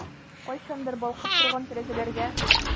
Кайчандыр балкып торган тәрәзәләргә...